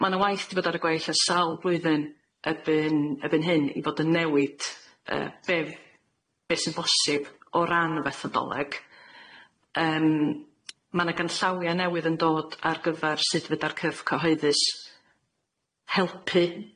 Ma' na waith di bod ar y gwaith ers sawl blwyddyn erbyn erbyn hyn i fod yn newid yy be' f- be' sy'n bosib o ran y fethodoleg yym ma' na gynllawia newydd yn dod ar gyfar sud fedar cyf- cyhoeddus helpu yym ma' na gynllawia newydd yn dod ar gyfar sud fedar cyf- cyhoeddus helpu.